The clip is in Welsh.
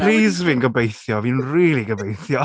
Please, fi'n gobeithio. Fi'n rili gobeithio.